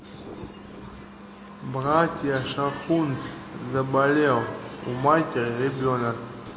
братья шахунц заболел у матери ребенок